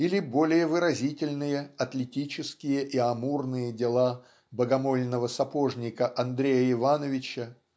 или более выразительные атлетические и амурные дела богомольного сапожника Андрея Ивановича